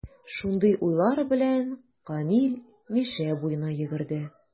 Шундый уйлар белән, Камил Мишә буена йөгерде.